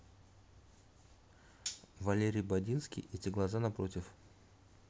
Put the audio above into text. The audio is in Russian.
валерий бадинский эти глаза напротив